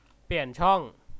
เปลี่ยนช่อง